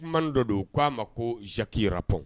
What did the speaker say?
Man dɔ don k'a ma ko zakiraɔn